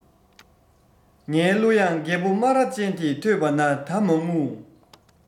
ངའི གླུ དབྱངས རྒད པོ སྨ ར ཅན དེས ཐོས པ ན ད མ ངུ